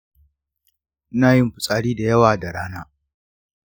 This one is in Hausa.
shin ka fuskanci wani ciwon ƙirji ko kuma wahalar numfashi?